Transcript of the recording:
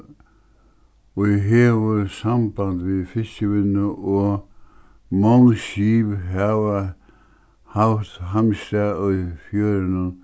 í hevur samband við fiskivinnu og mong skip hava havt heimstað í fjørðinum